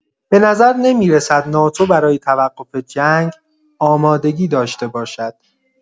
به نظر نمی‌رسد ناتو برای توقف جنگ آمادگی داشته باشد.